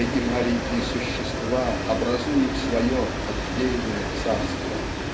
Эти маленькие существа образуют свое отдельное царство